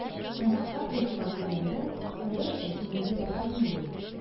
Ә мактап язуга килгәндә, әлбәттә, күңелгә рәхәт инде ул.